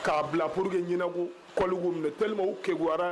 K'a bila pour que ɲininugu kololiku minɛ kɛwa ye